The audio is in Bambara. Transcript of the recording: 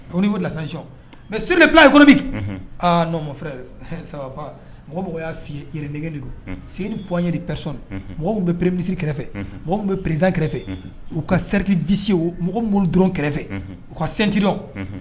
A ko' la tancɔn mɛ seredi bilaye kɔnɔbi aaa nɔfɛ sababa mɔgɔ mɔgɔ y'a f jiri nɛgɛgeli don sigi ni pɛri peressɔn mɔgɔ bɛ pere minissi kɛrɛfɛ mɔgɔ tun bɛ perezan kɛrɛfɛ u ka seritiissi mɔgɔ muru dɔrɔn kɛrɛfɛ u ka sintir